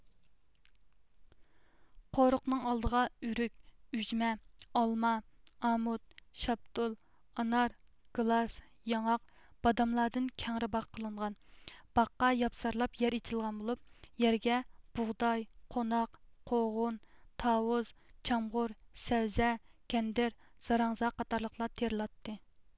قورۇقنىڭ ئالدىغا ئۆرۈك ئۈجمە ئالما ئامۇت شاپتۇل ئانار گىلاس ياڭاق باداملاردىن كەڭرى باغ قىلىنغان باغقا ياپسارلاپ يەر ئېچىلغان بولۇپ يەرگە بۇغداي قوناق قوغۇن تاۋۇز چامغۇر سەۋزە كەندىر زاراڭزا قاتارلىقلار تېرىلاتتى